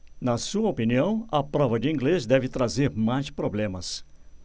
na sua opinião a prova de inglês deve trazer mais problemas